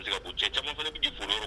Be se k'a fɔ cɛ caman fɛnɛ bi k'i yɔrɔ